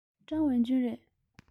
ཀྲང ཝུན ཅུན རེད